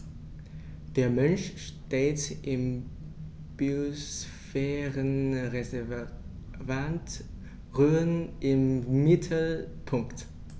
Der Mensch steht im Biosphärenreservat Rhön im Mittelpunkt.